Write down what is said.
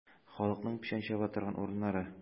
Халыкның печән чаба торган урыннары.